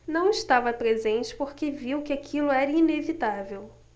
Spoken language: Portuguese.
não estava presente porque viu que aquilo era inevitável